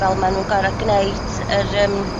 fel ma' nw'n gor'o' gneud yr yym